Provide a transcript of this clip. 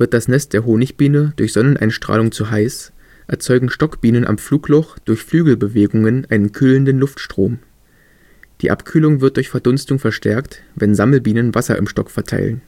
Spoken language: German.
das Nest der Honigbiene durch Sonneneinstrahlung zu heiß, erzeugen Stockbienen am Flugloch durch Flügelbewegungen einen kühlenden Luftstrom. Die Abkühlung wird durch Verdunstung verstärkt, wenn Sammelbienen Wasser im Stock verteilen